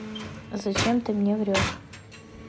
зачем ты мне врешь